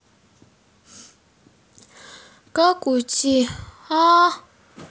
как уйти а а а